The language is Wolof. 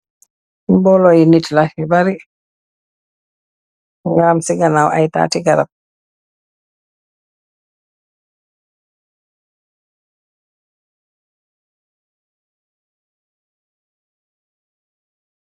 Mboloyi nit la yu barri nga am ci ganaw ay tatti garam.